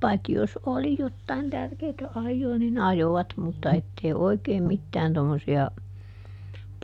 paitsi jos oli jotakin tärkeätä ajoa niin ajoivat mutta että ei oikein mitään tuommoisia